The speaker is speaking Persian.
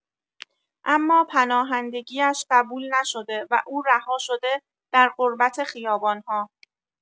اما پناهندگی‌اش قبول نشده و او رها شده در غربت خیابان‌ها.